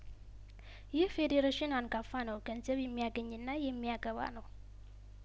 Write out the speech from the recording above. ይህ ፌዴሬሽን አንጋፋ ነው ገንዘብ የሚያገኝና የሚያገባ ነው